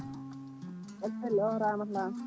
aɗa selli o ko Ramata Lam